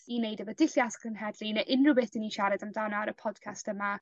i neud efo dullie atal genhedlu ne' unryw beth 'dyn ni'n siarad amdano ar y podcast yma